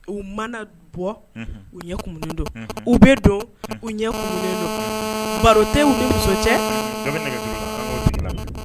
U mana d bɔ unhun u ɲɛ kumunen don u be don u ɲɛ kumunen don baro te u ni muso cɛ dɔ be nɛgɛjuru la an ŋ'o tigi lamɛ